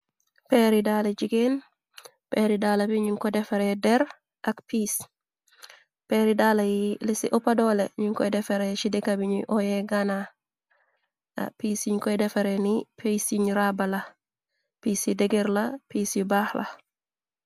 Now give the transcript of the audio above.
peery dale jigeen peery dala bi ñuñ ko defare der ak pic peery dala y lisi oppadoole ñuñ koy defare ci dekabi ñu oye Ghana pisiñ koy defare ni psiñ rabala pis ci degerla pis i baaxla.